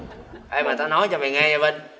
ê mà tao nói cho mày nghe nha vinh